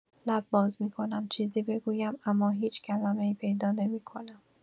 لب باز می‌کنم چیزی بگویم، اما هیچ کلمه‌ای پیدا نمی‌کنم.